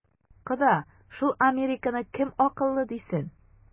Кода, шул американканы кем акыллы дисен?